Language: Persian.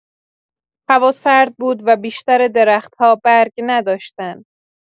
هوا سرد بود و بیشتر درخت‌ها برگ نداشتن.